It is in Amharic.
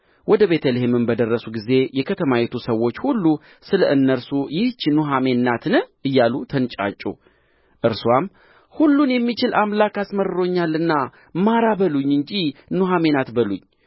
ወደ ቤተ ልሔምም በደረሱ ጊዜ የከተማይቱ ሰዎች ሁሉ ስለ እነርሱ ይህች ኑኃሚን ናትን እያሉ ተንጫጩ እርስዋም ሁሉን የሚችል አምላክ አስመርሮኛልና ማራ በሉኝ እንጂ ኑኃሚን አትበሉኝ